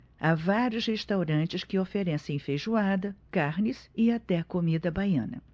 há vários restaurantes que oferecem feijoada carnes e até comida baiana